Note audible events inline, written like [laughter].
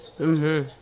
[hesitation] [hesitation]